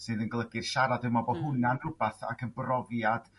sydd yn golygu siarad dwi meddwl bod hwna'n r'wbath ac yn brofiad